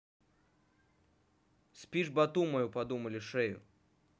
спишь боту мою подумали шею